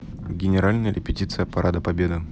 генеральная репетиция парада победы